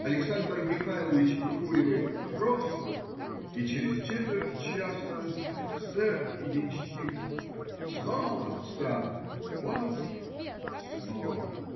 Александр Михайлович выкуривает папироску, и через четверть часа офицер и денщик снова спят глубоким сном.